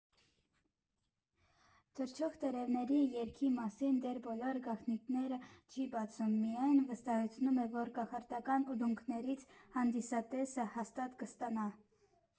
«Թռչող տերևների երգի» մասին դեռ բոլոր գաղտնիքները չի բացում, միայն վստահեցնում է, որ կախարդական ուլունքներից հանդիսատեսը հաստատ կստանա։